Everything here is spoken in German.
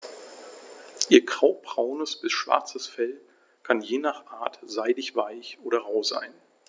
Ihr graubraunes bis schwarzes Fell kann je nach Art seidig-weich oder rau sein.